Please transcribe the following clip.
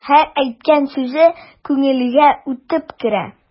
Һәр әйткән сүзе күңелгә үтеп керә.